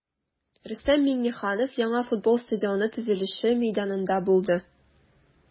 Рөстәм Миңнеханов яңа футбол стадионы төзелеше мәйданында булды.